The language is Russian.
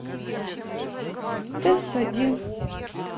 тест один